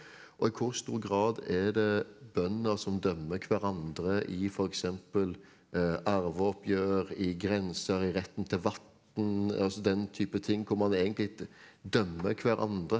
og i hvor stor grad er det bønder som dømmer hverandre i f.eks. arveoppgjør, i grenser, i retten til vatn, altså den type ting hvor man egentlig dømmer hverandre?